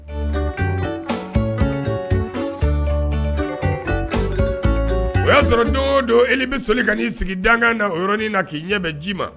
O y'a sɔrɔ don don i bɛ seli ka ii sigi danga na o yɔrɔnin na k' i ɲɛ ji ma